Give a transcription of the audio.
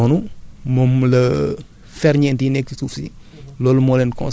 partie organique boobu noonu moom la ferñent yi nekk ci suuf si